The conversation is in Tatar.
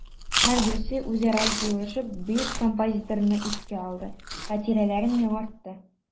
Һәрберсе үзара җыелышып бөек композиторны искә алды, хатирәләрен яңартты.